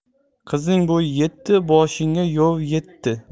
qizning bo'yi yetdi boshingga yov yetdi